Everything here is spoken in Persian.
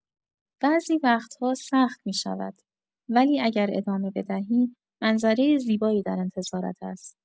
بعضی وقت‌ها سخت می‌شود، ولی اگر ادامه بدهی، منظرۀ زیبایی در انتظارت است.